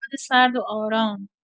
باد سرد و آرام